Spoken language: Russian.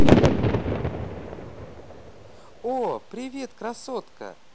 о привет красотка